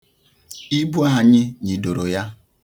Ibu anyị nyịdoro ya.